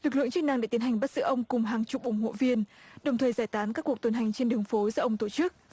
lực lượng chức năng để tiến hành bắt giữ ông cùng hàng chục ủng hộ viên đồng thời giải tán các cuộc tuần hành trên đường phố do ông tổ chức